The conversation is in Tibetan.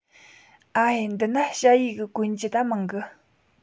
ཨ ཧེ འདི ན ཞ བྱིས གི གོན རྒྱུ ད མང གི